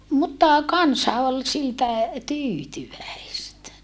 mutta kansa oli siltä tyytyväistä